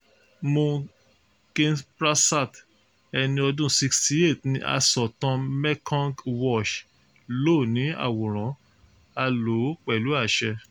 Mun Kimprasert, ẹni ọdún 68. ni asọ̀tàn, Mekong Watch ló ni àwòrán, a lò ó pẹ̀lú àṣẹ.